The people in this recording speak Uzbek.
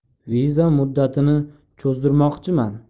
viza muddatini cho'zdirmoqchiman